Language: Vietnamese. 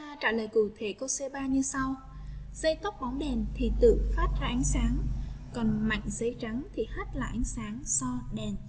trả lời cụ thể của c như sau dây tóc bóng đèn thì tự phát sáng sáng còn mảnh giấy trắng thì hết là ánh sáng do đèn